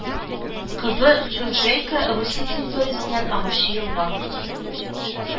Кыбы Чунджелька Русия территориясеннән агучы елга